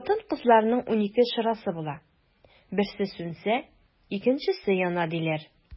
Хатын-кызларның унике чырасы була, берсе сүнсә, икенчесе яна, диләр.